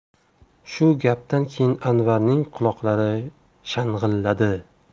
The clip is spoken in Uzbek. shu gapdan keyin anvarning quloqlari shang'illadi